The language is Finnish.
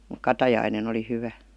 mutta katajainen oli hyvä